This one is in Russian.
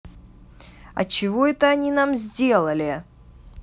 а чего это они нам сделали